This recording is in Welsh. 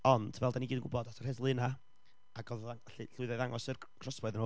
Ond, fel dan ni i gyd yn gwybod, aeth yr heddlu yna, ac oedd o gallu... llwyddo i ddangos yr crossbow iddyn nhw,